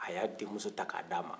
a y'a denmuso ta k'a d'a ma